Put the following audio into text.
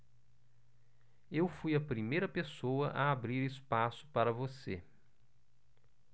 eu fui a primeira pessoa a abrir espaço para você